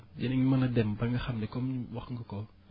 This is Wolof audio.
dinañ mën a dem ba nga xam ne comme wax nga ko